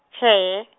tjhe .